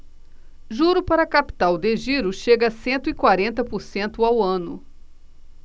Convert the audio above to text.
juro para capital de giro chega a cento e quarenta por cento ao ano